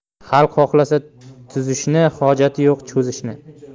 xalq xohlasa tuzishni hojati yo'q cho'zishni